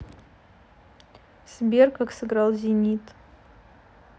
сбер как сыграл зенит